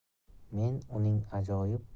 men uning ajoyib ashulalarini